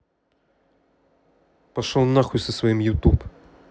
пошел на хуй со своим youtube